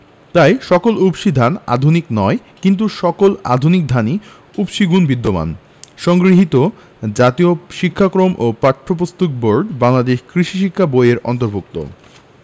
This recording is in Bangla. তাই সকল উফশী ধান আধুনিক নয় কিন্তু সকল আধুনিক ধানে উফশী গুণ বিদ্যমান সংগৃহীত জাতীয় শিক্ষাক্রম ও পাঠ্যপুস্তক বোর্ড বাংলাদেশ কৃষি শিক্ষা বই এর অন্তর্ভুক্ত